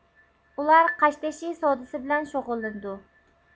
ئۇلار قاشتېتىشى سودىسى بىلەن شۇغۇللىنىدۇ